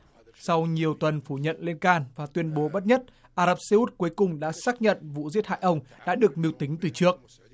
sau nhiều tuần phủ nhận lên can và tuyên bố bất nhất ả rập xê út cuối cùng đã xác nhận vụ giết hại ông đã được mưu tính từ trước